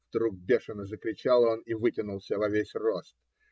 - вдруг бешено закричал он и вытянулся во весь рост.